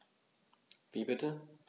Wie bitte?